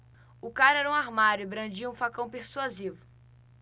o cara era um armário e brandia um facão persuasivo